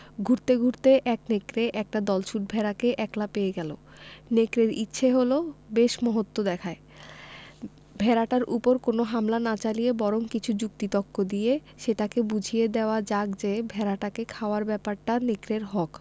ঘুরতে ঘুরতে এক নেকড়ে একটা দলছুট ভেড়াকে একলা পেয়ে গেল নেকড়ের ইচ্ছে হল বেশ মহত্ব দেখায় ভেড়াটার উপর কোন হামলা না চালিয়ে বরং কিছু যুক্তি তক্ক দিয়ে সেটাকে বুঝিয়ে দেওয়া যাক যে ভেড়াটাকে খাওয়ার ব্যাপারটা নেকড়ের হক